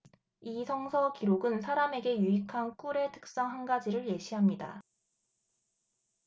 이 성서 기록은 사람에게 유익한 꿀의 특성 한 가지를 예시합니다